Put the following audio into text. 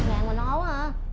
ngàn mà no quá a